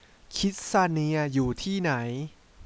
คิดส์ซาเนียอยู่ที่ไหน